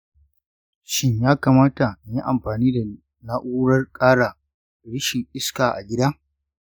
shin ya kamata in yi amfani da na'urar ƙara rishin iska a gida?